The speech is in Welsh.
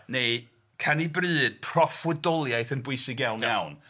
..Neu canu bryd, proffwydoliaeth yn bwysig iawn, iawn.